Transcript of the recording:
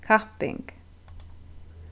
kapping